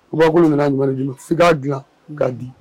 U'akolo nanawaleju si' dilan ka di